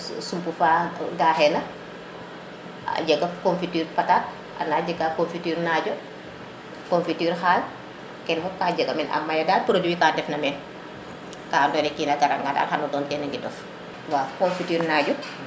a jega confiture patate a jega confiture najo confiture xaal kene fopa jega meen a maya dal produit ka ndef na meen ka ando naye kina gara nga dal xano doon tena ŋidof waaw confiture xaal kene fop ka jega men a maya dal produit ka ndef na men a maya dal produit ka ndef na meen ka ando naye o kina gar anga dal xano doon tena ŋidofnda confiture najo